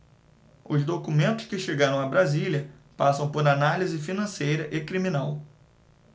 os documentos que chegaram a brasília passam por análise financeira e criminal